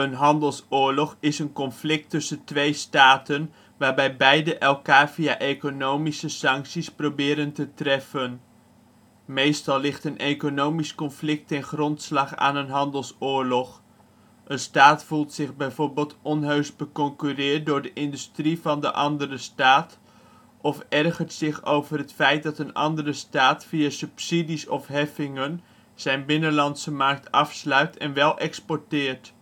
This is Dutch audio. handelsoorlog is een conflict tussen twee staten, waarbij beiden elkaar via economische sancties proberen te treffen. Meestal ligt een economisch conflict ten grondslag aan een handelsoorlog. Een staat voelt zich bijvoorbeeld onheus beconcurreerd door de industrie van een andere staat, of ergert zich over het feit dat een andere staat via subsidies of heffingen zijn binnenlandse markt afsluit en wel exporteert